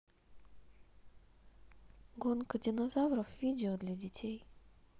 гонка динозавров видео для детей